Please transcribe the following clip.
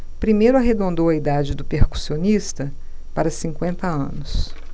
primeiro arredondou a idade do percussionista para cinquenta anos